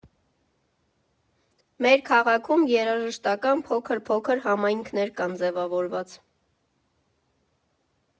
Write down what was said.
Մեր քաղաքում երաժշտական փոքր֊փոքր համայնքներ կան ձևավորված։